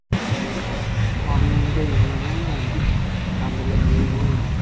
qornimga yig'lamayman qadrimga yig'layman